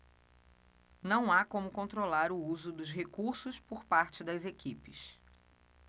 não há como controlar o uso dos recursos por parte das equipes